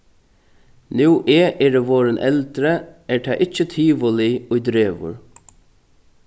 nú eg eri vorðin eldri er tað ikki tivoli ið dregur